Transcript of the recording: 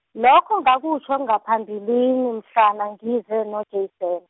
lokho ngakutjho naphambilini mhlana ngize noJanson.